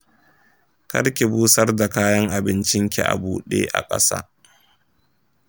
karki busar da kayan abincinki a bude a ƙasa.